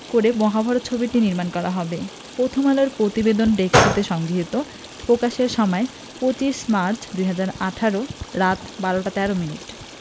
করে মহাভারত ছবিটি নির্মাণ করা হবে প্রথমআলো এর বিনোদন ডেস্ক হতে সংগৃহীত প্রকাশের সময় ২৫মার্চ ২০১৮ রাত ১২ টা ১৩ মিনিট